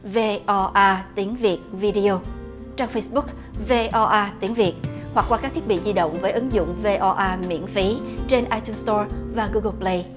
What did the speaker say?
vê o a tiếng việt vi đi ô trang phây búc vê o a tiếng việt hoặc qua các thiết bị di động với ứng dụng vê o a miễn phí trên ai tun sờ to và gu gồ pờ lây